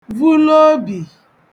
vu l'obì